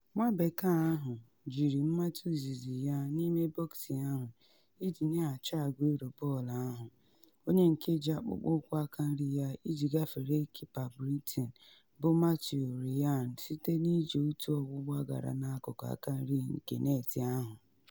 Nwa Bekee ahụ jiri mmetụ izizi ya n’ime bọksị ahụ iji nyeghachi Aguero bọọlụ ahụ, onye nke ji akpụkpụ ụkwụ akanri ya iji gafere kipa Brighton bụ Mathew Ryan site na iji otu ọgbụgba gara n’akụkụ akanri nke net ahụ.